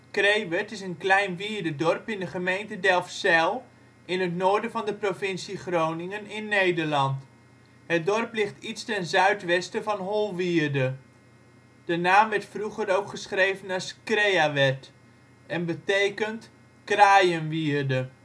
Kraiwerd) is een klein wierdedorp in de gemeente Delfzijl, in het noorden van de provincie Groningen in Nederland. Het dorp ligt iets ten zuid-westen van Holwierde. De naam werd vroeger ook geschreven als Creawerth, en betekent Kraaienwierde